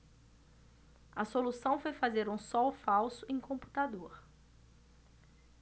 a solução foi fazer um sol falso em computador